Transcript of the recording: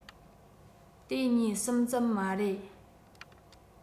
དེ གཉིས གསུམ ཙམ མ རེད